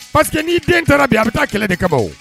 Paseke n'i den kɛra bi a bɛ taa kɛlɛ de kama